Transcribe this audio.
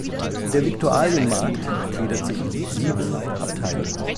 Der Viktualienmarkt gliedert sich in sieben Abteilungen